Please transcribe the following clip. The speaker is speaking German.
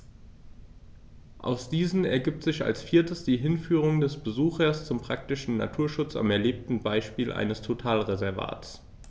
Aus diesen ergibt sich als viertes die Hinführung des Besuchers zum praktischen Naturschutz am erlebten Beispiel eines Totalreservats.